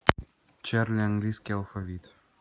чарли английский алфавит